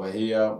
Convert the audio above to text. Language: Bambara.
Wahiya